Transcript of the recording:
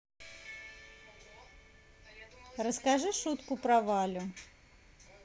расскажи шутку про валю